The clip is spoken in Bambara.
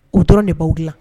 K'u dɔrɔn de b'aw dilan